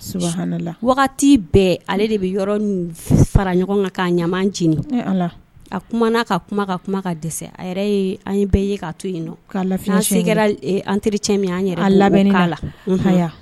Bɛɛ ale de bɛ yɔrɔ fara ɲɔgɔn kan ka a ka ka kuma ka dɛsɛ an bɛɛ ye ka to an an teri cɛ min an lamɛn'